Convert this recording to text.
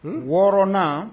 Wɔɔrɔnna